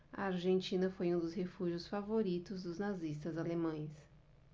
a argentina foi um dos refúgios favoritos dos nazistas alemães